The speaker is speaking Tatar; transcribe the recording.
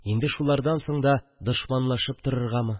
Инде шулардан соң да дошманлашып торыргамы